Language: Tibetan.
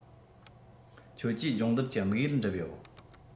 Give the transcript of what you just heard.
ཁྱོད ཀྱིས སྦྱོང བརྡར གྱི དམིགས ཡུལ འགྲུབ ཡོད